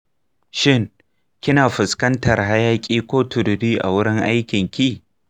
shin kina fuskantar hayaki ko tururi a wurin aikinki?